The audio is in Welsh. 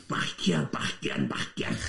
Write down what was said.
Bachcian, bachcian, bachcian!